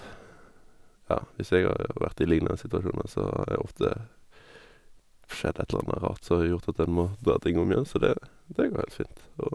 Ja, hvis jeg har vært i liknende situasjoner, så har jeg ofte skjedd et eller anna rart som har gjort at en må dra ting om igjen, så det det går heilt fint, og...